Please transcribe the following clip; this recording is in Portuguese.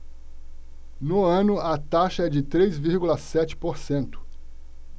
no ano a taxa é de três vírgula sete por cento